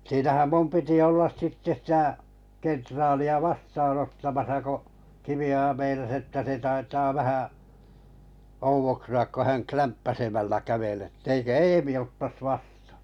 siinähän minun piti olla sitten sitä kenraalia vastaanottamassa kun Kivioja meinasi että se taitaa vähän oudoksua kun hän klämppäisemällä käveli että eikö Eemi ottaisi vastaan